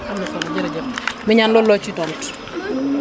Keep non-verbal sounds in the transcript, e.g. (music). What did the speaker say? am na solo jërëjëf (noise) Mignane loolu loo siy tontu (noise)